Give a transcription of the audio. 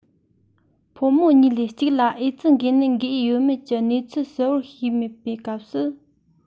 ཕོ མོ གཉིས ལས གཅིག ལ ཨེ ཙི འགོས ནད འགོས ཡོད མེད ཀྱི གནས ཚུལ གསལ བོར ཤེས མེད པའི སྐབས སུ